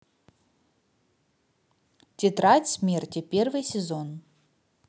тетрадь смерти первый сезон